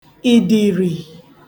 ìdìrì